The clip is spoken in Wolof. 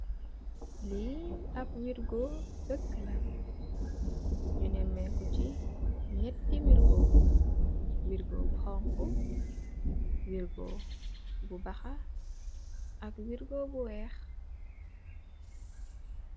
Li ap wergoh dakuhla wergoh bu xhong khu bu bakha ak bu wekh